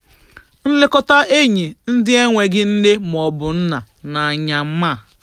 Nlekọta enyi ndị n'enweghị nne mọọbụ nna na Myanmar.